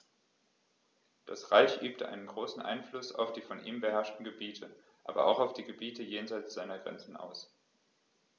Das Reich übte einen großen Einfluss auf die von ihm beherrschten Gebiete, aber auch auf die Gebiete jenseits seiner Grenzen aus.